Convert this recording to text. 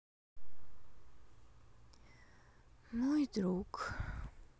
мой друг